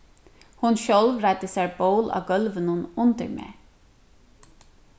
hon sjálv reiddi sær ból á gólvinum undir mær